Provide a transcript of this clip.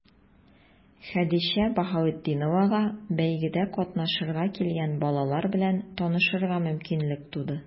Хәдичә Баһаветдиновага бәйгедә катнашырга килгән балалар белән танышырга мөмкинлек туды.